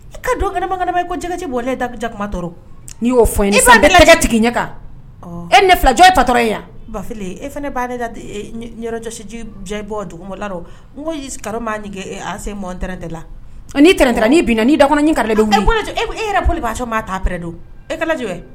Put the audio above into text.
I ka dɔn kɛnɛma kojɛ bɔ da bɛ ja kumakuma tɔɔrɔ n'i y'o fɔ n ɲɛ kan e ne filajɔ tɔtɔ ye yan ba e fana ne b'aalejɔsijijɛ bɔ dugu ladɔ n kalo se mɔn tɛnɛn tɛ la tɛnɛn tɛ n' bin na n'i da kɔnɔ kala e yɛrɛ ko b'a sɔrɔ maa taaɛ don e kala